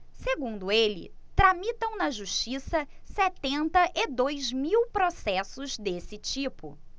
segundo ele tramitam na justiça setenta e dois mil processos desse tipo